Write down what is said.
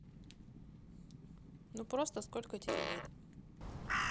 ну просто сколько тебе лет